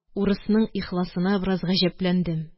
Урысның ихласына бераз гаҗәпләндем